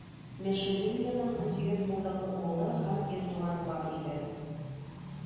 Мешелемиянең унсигез булдыклы углы һәм ир туганы бар иде.